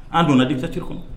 An donna disatiri kɔnɔ